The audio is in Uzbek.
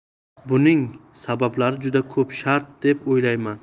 buning sabablari juda ko'p shart deb o'ylayman